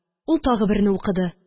Ул тагы берне укыды